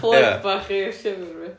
plyg bach i llyfr fi